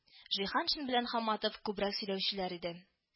Җиһаншин белән Хамматов күбрәк сөйләүчеләр иде